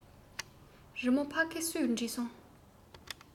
རི མོ ཕ གི སུས བྲིས སོང